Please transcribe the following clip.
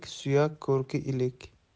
suyak ko'rki ilik